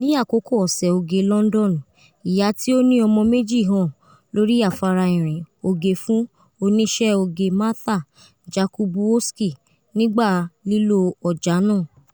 Ni akoko Ọsẹ Oge Lọndọnu, iya ti o ni ọmọ meji han lori afara irin oge fun oniṣẹ oge Marta Jakubowski nigba lilo ọja naa.